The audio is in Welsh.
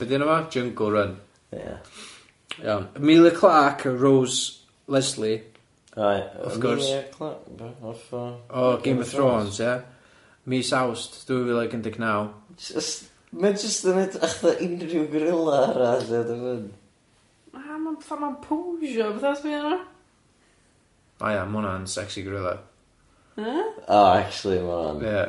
Be-di enw fo? Jundle Run. Amelia Clark a Rose Lesley. Oh ia. Wrth gwrs. Oh Game of Thrones, Ia. Mis Awst dwy fil ag un deg naw, ma just, ma just yn edrach fatha unrhyw gorilla arall. Ynde. Na ma ffordd man posio. Oh ia ma hwna'n sexy gorilla. Eh? Oh actually ma hwnna'n